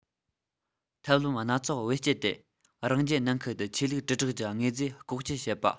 ཐབས ལམ སྣ ཚོགས བེད སྤྱད དེ རང རྒྱལ ནང ཁུལ དུ ཆོས ལུགས དྲིལ བསྒྲགས ཀྱི དངོས རྫས ལྐོག བསྐྱལ བྱེད པ